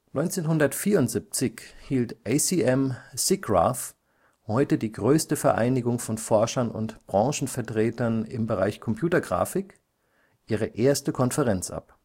1974 hielt ACM SIGGRAPH, heute die größte Vereinigung von Forschern und Branchenvertretern im Bereich Computergrafik, ihre erste Konferenz ab